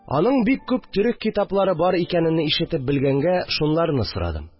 Аның бик күп төрек китаплары бар икәнене ишетеп белгәнгә, шунларны сорадым